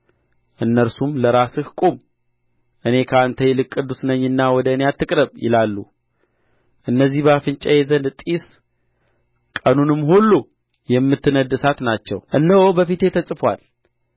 እነርሱም ለራስህ ቁም እኔ ከአንተ ይልቅ ቅዱስ ነኝና ወደ እኔ አትቅረብ ይላሉ እነዚህ በአፍንጫዬ ዘንድ ጢስ ቀኑንም ሁሉ የምትነድድ እሳት ናቸው እነሆ በፊቴ ተጽፎአል